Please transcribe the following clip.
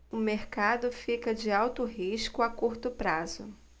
o mercado fica de alto risco a curto prazo